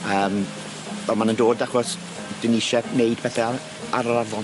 Yym on' ma' nw'n dod achos 'dyn ni isie neud pethe ar ar yr afon.